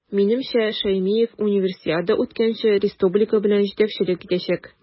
Минемчә, Шәймиев Универсиада үткәнче республика белән җитәкчелек итәчәк.